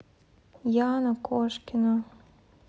яна кошкина